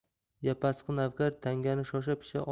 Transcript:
yapasqi navkar tangani shosha pisha